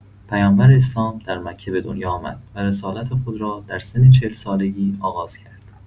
پیامبر اسلام در مکه به دنیا آمد و رسالت خود را در سن چهل‌سالگی آغاز کرد.